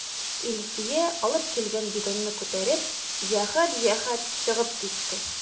Илсөя алып килгән бидонны күтәреп, җәһәт-җәһәт чыгып китте.